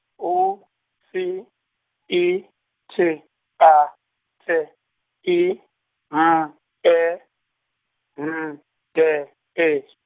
U, C, I, T, A, T, I, M, E, N, D, E.